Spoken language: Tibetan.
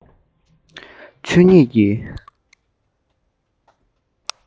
ཆོས ཉིད ཀྱི